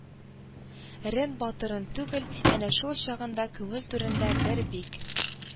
Рен-батырын түгел, әнә шул чагында күңел түрендә бер бик